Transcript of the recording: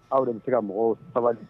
Aw de bɛ se ka mɔgɔw sabali